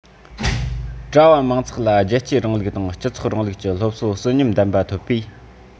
གྲྭ བ མང ཚོགས ལ རྒྱལ གཅེས རིང ལུགས དང སྤྱི ཚོགས རིང ལུགས ཀྱི སློབ གསོ གསོན ཉམས ལྡན པ ཐོབ པས